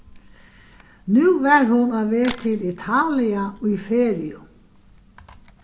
nú var hon á veg til italia í feriu